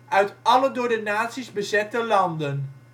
uit alle door de nazi 's bezette landen